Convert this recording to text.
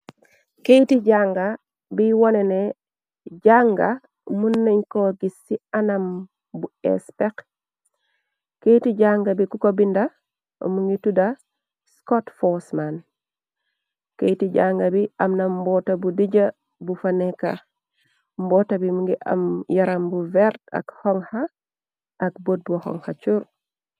Keyti janga bi wone ne jànga mun nañ ko gis ci anam bu ees pex, keyti janga bi kuko binda mu ngi tuda Scott Fosman, keyiti janga bi amna mboota bu dija bu fa nekka, mboota bi mingi am yaram bu vert ak xonha ak bot bu xonxa cur.